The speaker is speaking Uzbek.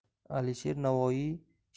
alisher navoiy shifoiya degan